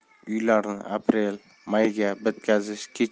uylarni aprel mayga bitkazish kechi